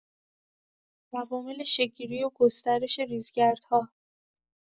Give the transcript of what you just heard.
عوامل شکل‌گیری و گسترش ریزگردها